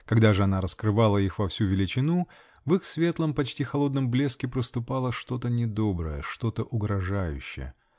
когда же она раскрывала их во всю величину -- в их светлом, почти холодном блеске проступало что-то недоброе. что-то угрожающее.